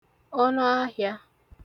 ọnụahị̄ā